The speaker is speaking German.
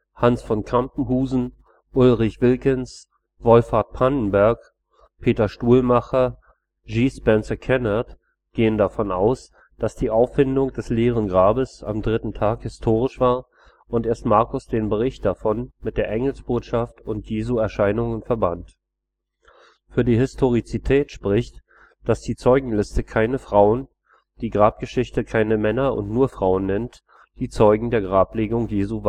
Hans von Campenhausen, Ulrich Wilckens, Wolfhart Pannenberg, Peter Stuhlmacher, J. Spencer Kennard) gehen davon aus, dass die Auffindung des leeren Grabes „ am 3. Tag “historisch war und erst Markus den Bericht davon mit der Engelsbotschaft und Jesu Erscheinungen verband. Für die Historizität spricht, dass die Zeugenliste keine Frauen, die Grabgeschichte keine Männer und nur Frauen nennt, die Zeugen der Grablegung Jesu